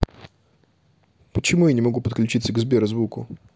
почему я не могу подключиться к сбер звуку